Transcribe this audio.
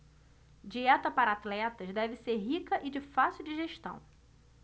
dieta para atletas deve ser rica e de fácil digestão